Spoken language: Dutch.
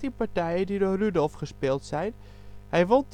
partijen die door Rudolf gespeeld zijn: hij won